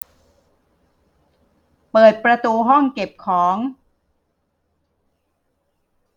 เปิดประตูห้องเก็บของ